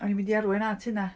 O'n i'n mynd i arwain at hynna.